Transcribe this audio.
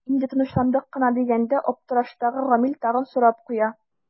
Инде тынычландык кына дигәндә аптыраштагы Гамил тагын сорап куя.